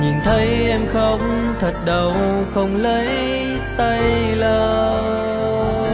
nhìn thấy em khóc thật đau không lấy tay lau